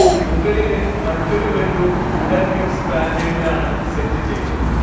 മുകളിലെ മറ്റൊരു bedroom wooden mix പാറ്റേണിലാണ് സെറ്റ് ചെയ്തത്